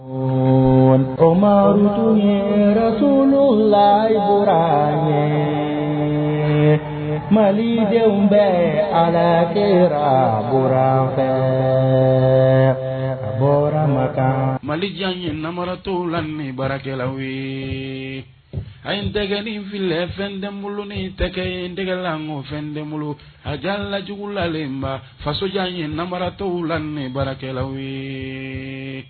Bontorut la yɔrɔ ye malidenw bɛ ala la kɛ b fɛ a bɔrama mali jan ye naratɔw la ni baarakɛlaw ye a ye n dɛnen fili fɛn den bolo ni tɛgɛ ye n dɛla ko fɛn den bolo a jala la jugu lalenba fasojan ye naratɔ la ni baarakɛlaw ye